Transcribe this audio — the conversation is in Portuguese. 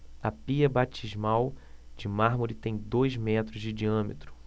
a pia batismal de mármore tem dois metros de diâmetro